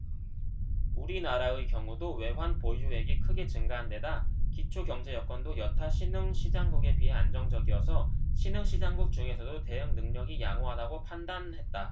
우리나라의 경우도 외환보유액이 크게 증가한 데다 기초경제여건도 여타 신흥시장국에 비해 안정적이어서 신흥시장국 중에서도 대응능력이 양호하다고 판단했다